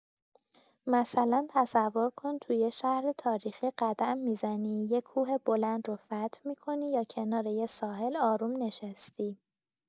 مثلا تصور کن تو یه شهر تاریخی قدم می‌زنی، یه کوه بلند رو فتح می‌کنی یا کنار یه ساحل آروم نشستی.